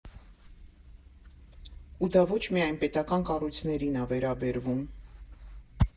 Ու դա ոչ միայն պետական կառույցներին ա վերաբերվում։